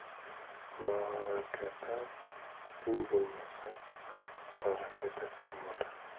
ma'arakada teng bo'lmasa tarakada teng bo'lar